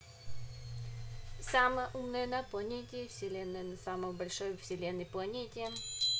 ты самая умная на планете вселенная на самом большой вселенной планете